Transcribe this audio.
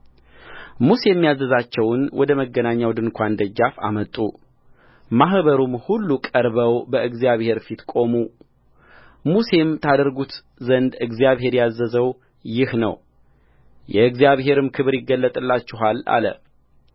ሙሴም ያዘዛቸውን ወደ መገናኛው ድንኳን ደጃፍ አመጡ ማኅበሩም ሁሉ ቀርበው በእግዚአብሔር ፊት ቆሙሙሴም ታደርጉት ዘንድ እግዚአብሔር ያዘዘው ይህ ነው የእግዚአብሔርም ክብር ይገለጥላችኋል አለ